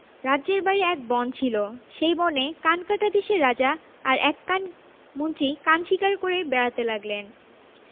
রাজ্যের বাইরে এক বন ছিল সেই বনে কানকাটা দেশের রাজা আর এক কান মন্ত্রী কান শিকার করে বেড়াতে লাগলেন